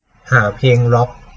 หาเพลงร็อค